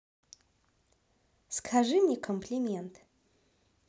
скажи мне комплимент